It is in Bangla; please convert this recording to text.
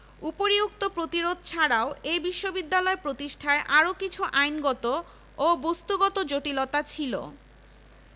উপরিউক্ত প্রতিরোধ ছাড়াও এ বিশ্ববিদ্যালয় প্রতিষ্ঠায় আরও কিছু আইনগত ও বস্ত্তগত জটিলতা ছিল